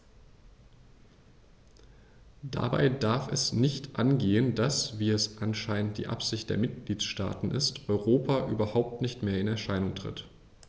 Dabei darf es nicht angehen, dass - wie es anscheinend die Absicht der Mitgliedsstaaten ist - Europa überhaupt nicht mehr in Erscheinung tritt.